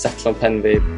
setlo pen fi